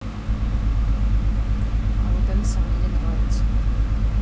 а вот алиса мне не нравится